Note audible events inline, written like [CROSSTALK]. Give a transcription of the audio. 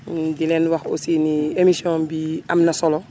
[HESITATION] di leen wax aussi ni émission bii am na solo